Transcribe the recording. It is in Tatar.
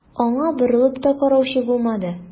Аңа борылып та караучы булмады.